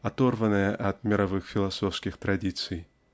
оторванная от мировых философских традиций.